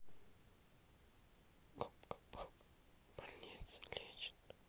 губка боб в больнице лечит